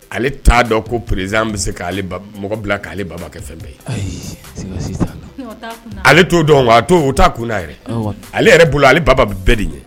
Ale t'a dɔn ko perez bɛ se k' mɔgɔ bila k'ale baba kɛ fɛn bɛɛ ye ale' dɔn o t' kun' yɛrɛ ale yɛrɛ bolo ale baba bɛɛ de ɲɛ